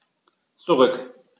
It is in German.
Zurück.